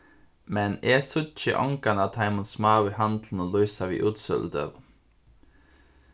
men eg síggi ongan av teimum smáu handlunum lýsa við útsøludøgum